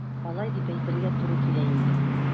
Алай дип әйтергә туры килә инде.